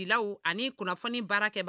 Law ani kunnafoni baara kɛ